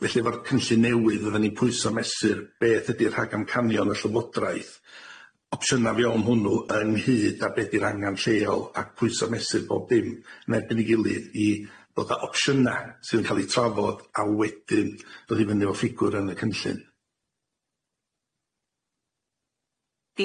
felly efo'r cynllun newydd oddan ni'n pwyso mesur beth ydi rhag amcanion y llywodraeth opsiyna fewn hwnnw ynghyd â be' di'r angan lleol ac pwyso mesur bob dim yn erbyn 'i gilydd i ddod a opsiyna sydd yn ca'l 'i trafod a wedyn dod i fyny efo ffigwr yn y cynllun.